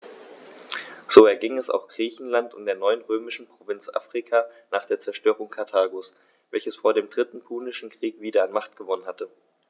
So erging es auch Griechenland und der neuen römischen Provinz Afrika nach der Zerstörung Karthagos, welches vor dem Dritten Punischen Krieg wieder an Macht gewonnen hatte.